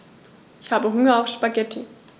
Ich habe Hunger auf Spaghetti.